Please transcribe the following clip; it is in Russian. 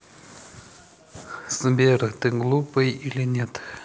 сбер ты глупый или нет